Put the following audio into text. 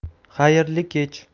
xayrli kech